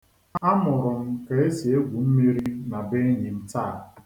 A mụrụ m ka e si egwu mmiri na be enyi m taa.